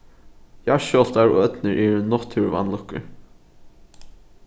jarðskjálvtar og ódnir eru náttúruvanlukkur